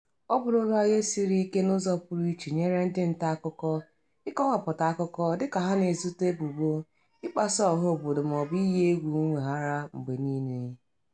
Ọ bụrụla ihe siri ike n'ụzọ pụrụ iche nyere ndị ntaakụkọ, ịkọwapụta akụkọ, dịka ha na-ezute ebubo "ịkpasu ọha obodo" maọbụ "iyi egwu mweghara" mgbe niile.